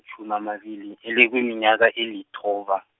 -tjhuma amabili, eli kuminyaka elithoba.